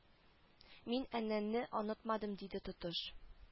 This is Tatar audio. Мин әннә не онытмадым диде тотыш